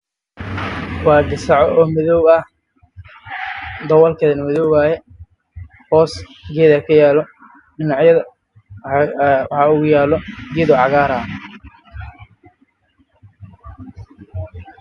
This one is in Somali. Wa caagad midabkoodii yihiin madow